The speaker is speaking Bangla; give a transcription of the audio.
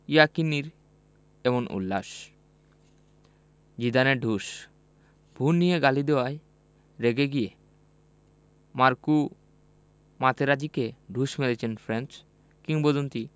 ইয়েকিনির এমন উল্লাস জিদানের ঢুস বোন নিয়ে গালি দেওয়ায় রেগে গিয়ে মার্কো মাতেরাজ্জিকে ঢুস মেরেছেন ফ্রেঞ্চ কিংবদন্তি